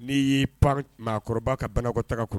N'i y'i pan maakɔrɔbaba ka bankɔtaa